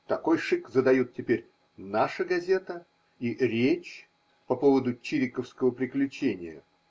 Такой шик задают теперь Наша Газета и Речь по поводу чириковского при ключения.